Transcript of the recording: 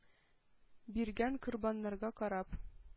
Биргән корбаннарга карап